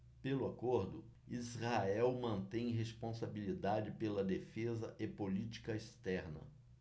pelo acordo israel mantém responsabilidade pela defesa e política externa